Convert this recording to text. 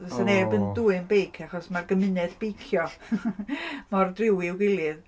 fysa... Ooo... neb yn dwyn beic, achos mae'r gymuned beicio mor driw i'w gilydd.